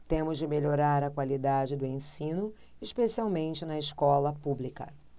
temos de melhorar a qualidade do ensino especialmente na escola pública